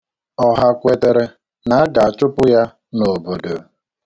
Ọha kwetere na a ga-achụpụ ya n'obodo.